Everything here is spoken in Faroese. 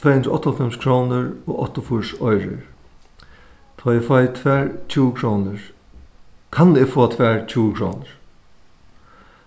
tvey hundrað og áttaoghálvfems krónur og áttaogfýrs oyrur tá eg fái tvær tjúgu krónur kann eg fáa tvær tjúgu krónur